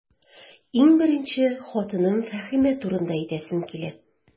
Иң беренче, хатыным Фәһимә турында әйтәсем килә.